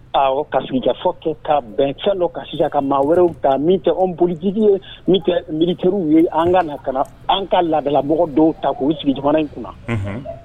Ka sunjatafɔ kɛ ka bɛncɛ ka ka maa wɛrɛw ta tɛ bolij ye tɛ miw ye an ka na ka an ka laadadalamɔgɔ dɔw ta k'u sigi jamana in kunna